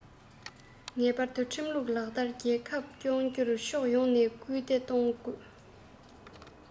ངེས པར དུ ཁྲིམས ལུགས ལྟར རྒྱལ ཁབ སྐྱོང རྒྱུར ཕྱོགས ཡོངས ནས སྐུལ འདེད གཏོང དགོས